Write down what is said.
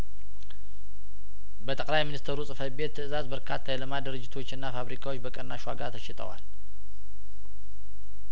በጠቅላይ ሚንስተሩ ጽፈት ቤት ትእዛዝ በርካታ የልማት ድርጅቶችና ፋብሪካዎች በቅናሽ ዋጋ ተሽጠዋል